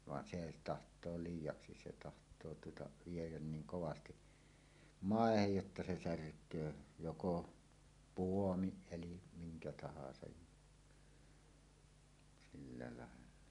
vaan se tahtoo liiaksi se tahtoo tuota viedä niin kovasti maahan jotta se särkee joko puomin eli minkä tahansa ja sillä lailla